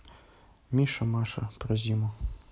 миша маша про зиму